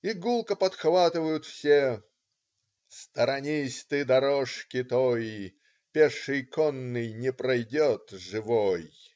И гулко подхватывают все: Сторонись ты дорожки той, Пеший, конный не пройдет живой!